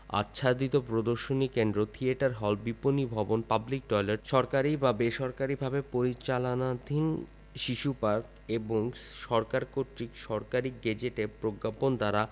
আচ্ছাদিত প্রদর্শনী কেন্দ্র থিয়েটার হল বিপণী ভবন পাবলিক টয়েলেট সরকারী বা বেসরকালিভাবে পরিচালনাধীন শিশু পার্ক এবং সরকার কর্তৃক সরকারী গেজেটে প্রজ্ঞাপন দ্বারা